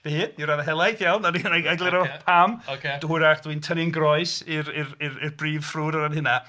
Fy hun, i raddau helaeth iawn a wna'i egluro pam hwyrach dwi'n tynnu'n groes i'r... i'r.... i'r brif ffrwd o ran hynna.